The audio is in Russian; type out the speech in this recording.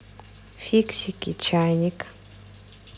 фиксики чайник